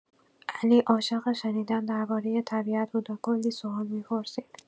علی عاشق شنیدن دربارۀ طبیعت بود و کلی سوال می‌پرسید.